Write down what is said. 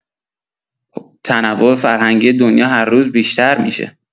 تنوع فرهنگی دنیا هر روز بیشتر می‌شه.